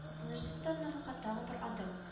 – куркынычсыз донорлыкка тагын бер адым